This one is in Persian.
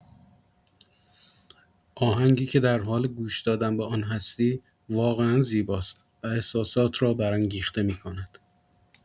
آهنگی که در حال گوش‌دادن به آن هستی، واقعا زیباست و احساسات را برانگیخته می‌کند.